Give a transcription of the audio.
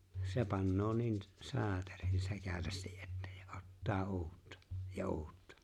se panee niin - saaterin sekavasti että ja ottaa uutta ja uutta